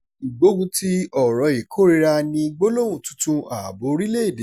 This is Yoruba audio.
Ìgbógunti ọ̀rọ̀ ìkórìíra ni gbólóhùn tuntun ààbò orílẹ̀-èdè'